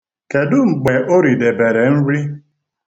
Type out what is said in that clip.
Kedụ mgbe o ridebere nri?